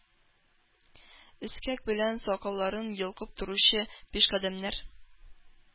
Эскәк белән сакалларын йолкып торучы пишкадәмнәр,